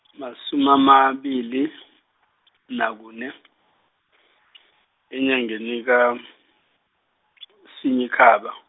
masumi amabili, nakune, enyangeni kaSinyikhaba.